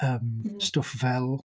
Yym stwff fel...